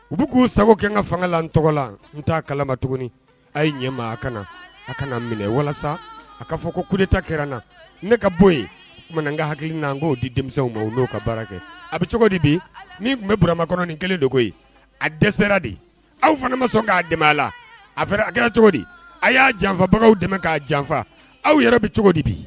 U bɛ k'u sago kɛ ka fanga la tɔgɔ la n' kalama tuguni a' ye ɲɛ maa kana a kana minɛ walasa a kaa fɔ ko koeta kɛrɛn na ne ka bɔ yen ma ka hakili' k ko di denmisɛnww ma olu' ka baara kɛ a bɛ cogo de bi ni tun bɛ burama kɔnɔnin kelen de ko yen a dɛsɛra de aw fana ma sɔn k'a dɛmɛ a la a fɛ a kɛra cogo di a y'a janfabagaw dɛmɛ k'a janfa aw yɛrɛ bɛ cogo di bi